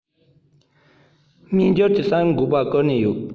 སྨྱན སྦྱོར གྱི གསར འགོད པ བསྐོར ནས ཡོད